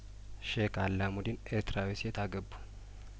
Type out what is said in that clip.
ሼክ አላሙዲን ኤርትራዊ ሴት አገቡ